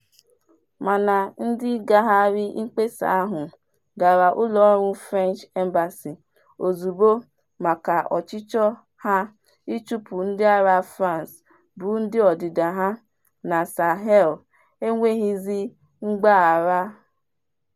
Mana ndị ngagharị mkpesa ahụ gara ụlọọrụ French Embassy ozugbo maka ọchịchọ ha ịchụpụ ndịagha France bụ ndị ọdịda ha na Sahel enweghịzi mgbagha.